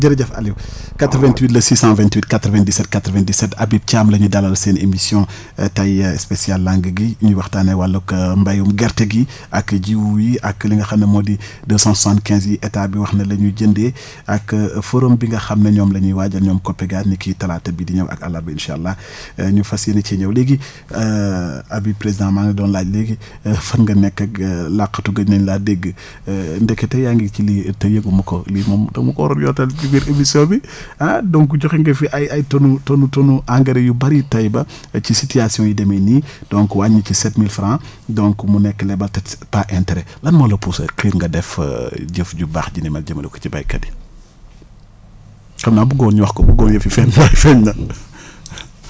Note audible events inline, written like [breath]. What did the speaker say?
jërëjëf Aliou [breath] 88 la 628 97 97 Habib Thiam la ñu dalal seen émission [breath] tey spéciale làng gi ñuy waxtaanee wàllum [hesitation] mbéyum gerte gi ak jiwu yi ak li nga xam ne moo di deux cent soixante quinze yi état bi wax ne moom la ñuy jëndee ak forum bi nga xam ne ñoom la ñuy waajal ñoom COPEGA ni ki talaata bii di ñëw ak àllarba incha allah [breath] ñu fas yéene cee ñëw léegi [hesitation] Habib présient maa ngi la doon laaj léegi fan nga nekk [hesitation] laqatu gëj nañ laa dégg [hesitation] ndekete yaa ngi ci liggéey te yëgguma ko lii moom da nga ma ko waroon yootal ci biir émission bi ah donc joxe nga fi ay ay tonne tonne engrais yu bari tey ba [breath] ci situation yi demee nii donc wàññi ci sept mille franc donc mu nekk lebal te pas intérêt lan moo la poussé xir nga def [hesitation] jëf ju baax ji ni mel jëmale ko ci béykat yi xam naa buggoo woon ñu wax ko buggoo yëf yi feeñ feeñ na [laughs]